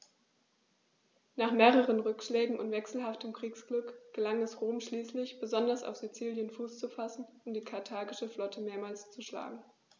Nach mehreren Rückschlägen und wechselhaftem Kriegsglück gelang es Rom schließlich, besonders auf Sizilien Fuß zu fassen und die karthagische Flotte mehrmals zu schlagen.